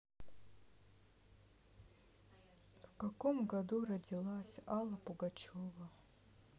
в каком году родилась алла пугачева